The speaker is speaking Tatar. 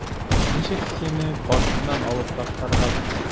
Ничек сине башымнан алып ташларга соң?